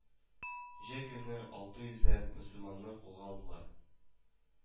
Җәй көне алты йөзләп мөселманны кулга алдылар